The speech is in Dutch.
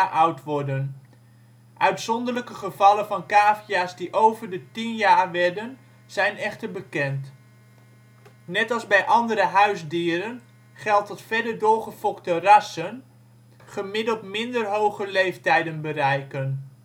oud worden. Uitzonderlijke gevallen van cavia 's die over de tien jaar werden zijn echter bekend. Net als bij andere huisdieren geldt dat verder doorgefokte rassen gemiddeld minder hoge leeftijden bereiken